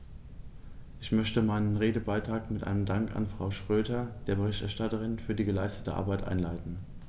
Ich möchte meinen Redebeitrag mit einem Dank an Frau Schroedter, der Berichterstatterin, für die geleistete Arbeit einleiten.